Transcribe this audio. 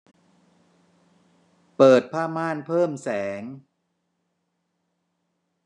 เปิดผ้าม่านเพิ่มแสง